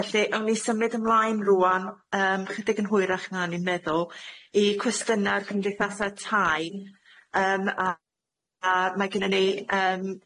Felly awn ni symud ymlaen rŵan yym chydig yn hwyrach na o'n i'n meddwl i cwestyna'r cymdeithasa' tai yym a a mae gynnon ni yym